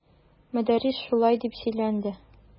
Мөдәррис шулай дип сөйләнде.